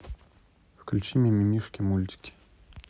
включи мимимишки мультики